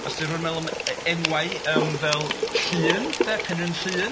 Os 'di rhywun yn meddwl am e- enwau yym fel Llŷn de, Penrhyn Llŷn.